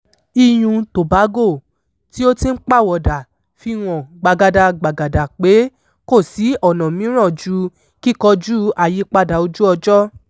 Iyùn Tobago tí ó ti ń pàwọ̀dà fi hàn gbàgàdàgbagada pé kò sí ọ̀nà mìíràn ju kíkojú àyípadà ojú-ọjọ́